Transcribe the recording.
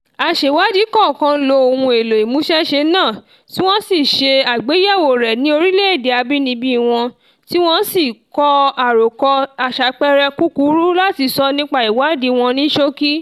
Aṣèwádìí kọ̀ọ̀kan lo ohun èlò ìmúṣẹ́ṣe náà tí wọ́n sì ṣe àgbéyẹ̀wò rẹ̀ ní orílẹ̀-èdè àbínibí wọn, tí wọ́n sì kọ àròkọ aṣàpẹẹrẹ kúkúrú láti sọ nípa ìwádìí wọn ní ṣókí.